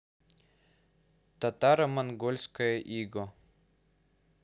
татаро монгольская ига